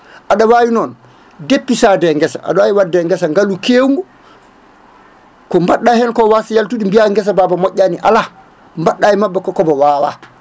aɗa wawi noon deppisade e guesa aɗa wawi wadde e guesa ngaalu kewgu ko mbaɗɗa hen ko wasa yaltude mbiya guesa ba ba moƴƴani ala mbaɗɗa e mabba ko koba wawa